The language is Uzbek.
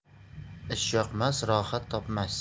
ishyoqmas rohat topmas